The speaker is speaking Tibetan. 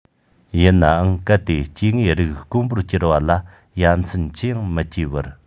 ཡིན ནའང གལ ཏེ སྐྱེ དངོས རིགས དཀོན པོར གྱུར པ ལ ཡ མཚན ཅི ཡང མི སྐྱེ བར